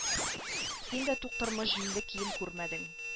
Син дә тук тормыш җүнле кием күрмәдең